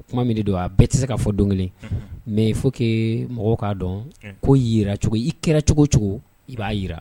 O tuma min don a bɛɛ tɛ se kaa fɔ don kelen mɛ fo que mɔgɔw k'a dɔn ko jiracogo i kɛra cogo cogo i b'a jira